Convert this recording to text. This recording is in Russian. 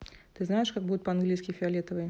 ты знаешь как будет по английски фиолетовый